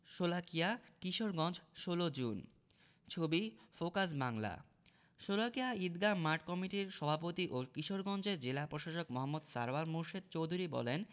Sholakia Kishoreganj ১৬ June ছবি focus Bangla Sholakia Eidgah মাঠ কমিটির সভাপতি ও কিশোরগঞ্জের জেলা প্রশাসক মো. সারওয়ার মুর্শেদ চৌধুরী বলেন